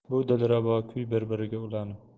bu dilrabo kuy bir biriga ulanib